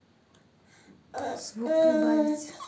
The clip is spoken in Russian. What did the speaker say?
звук прибавить